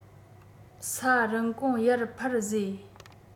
ས རིན གོང ཡར འཕར བཟོས